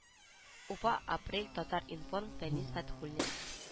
Уфа апрель татар-информ фәнис фәтхуллин